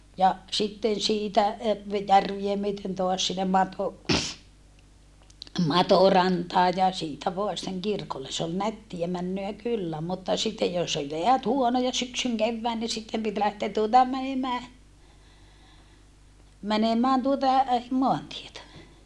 ja sitten siitä -- järveä myöten taas sinne - Matorantaan ja siitä vain sitten kirkolle se oli nättiä menoa kyllä mutta sitten jos oli jäät huonoja syksyn kevään niin sitten piti lähteä tuota menemään menemään tuota maantietä